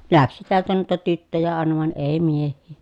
lähti täältä noita tyttöjä aina vain ei miehiä